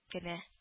Генә